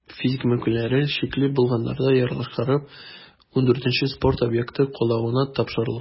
Физик мөмкинлекләре чикле булганнарга яраклаштырып, 14 спорт объекты куллануга тапшырылган.